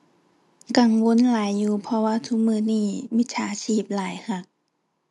กังวลหลายอยู่ เพราะว่าทุกมื้อนี้มิจฉาชีพหลายคัก